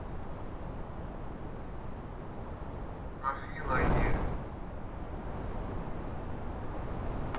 afina е